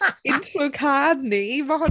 Intro cân ni ma' hwn...